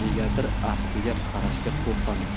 negadir aftiga qarashga qo'rqaman